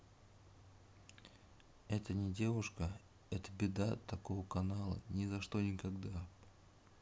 это не девушка это беда такого канал ни за что никогда